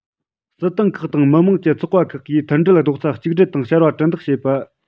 སྲིད ཏང ཁག དང མི དམངས ཀྱི ཚོགས པ ཁག གིས མཐུན སྒྲིལ རྡོག རྩ གཅིག སྒྲིལ དང ཕྱར བ གྲུ འདེགས བྱེད པ